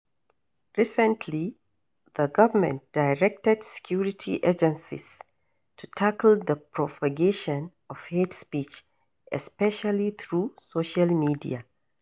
Recently, the government directed security agencies to "tackle the propagation of hate speech, especially through social media".